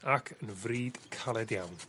ac yn frîd caled iawn.